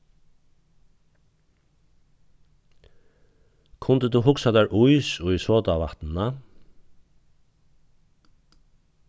kundi tú hugsað tær ís í sodavatnina